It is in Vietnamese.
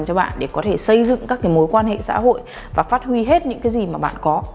để có thể xây dựng các mối quan hệ xã hội và phát huy hết những cái gì mà bạn có